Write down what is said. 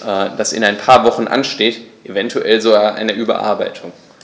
das in ein paar Wochen ansteht, eventuell sogar einer Überarbeitung.